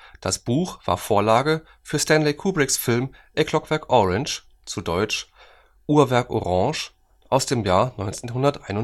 Das Buch war Vorlage für Stanley Kubricks Film A Clockwork Orange (dt. Titel Uhrwerk Orange) aus dem Jahr 1971